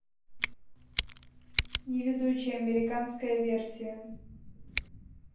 невезучие американская версия